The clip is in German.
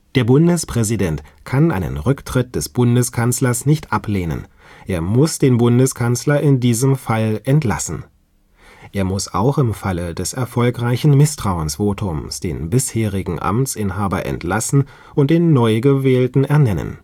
Der Bundespräsident kann einen Rücktritt des Bundeskanzlers nicht ablehnen; er muss den Bundeskanzler in diesem Fall entlassen. Er muss auch im Falle des erfolgreichen Misstrauensvotums den bisherigen Amtsinhaber entlassen und den neu Gewählten ernennen